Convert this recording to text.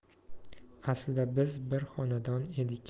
aslida biz bir xonadon edik